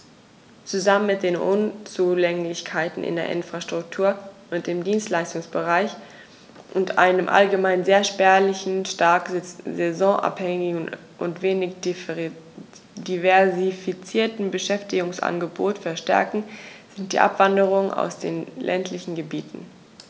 Zusammen mit den Unzulänglichkeiten in der Infrastruktur und im Dienstleistungsbereich und einem allgemein sehr spärlichen, stark saisonabhängigen und wenig diversifizierten Beschäftigungsangebot verstärken sie die Abwanderung aus den ländlichen Gebieten.